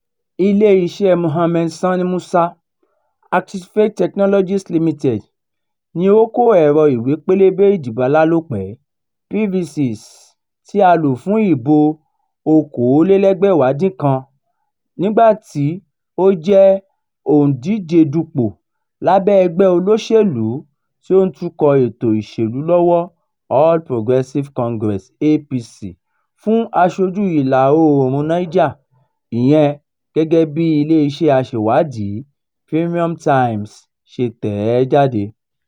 Ilé-iṣẹ́ẹ Mohammed Sani Musa, Activate Technologies Limited, ni ó kó ẹ̀rọ Ìwé-pélébé Ìdìbò Alálòpẹ́ (PVCs) tí a lò fún ìbò ọdún-un 2019, nígbà tí ó jẹ́ òǹdíjedupò lábẹ́ ẹgbẹ́ olóṣèlúu tí ó ń tukọ̀ ètò ìṣèlú lọ́wọ́ All Progressives Congress (APC) fún Aṣojú Ìlà-Oòrùn Niger, ìyẹn gẹ́gẹ́ bí ilé iṣẹ́ aṣèwádìí, Premium Times ṣe tẹ̀ ẹ́ jáde.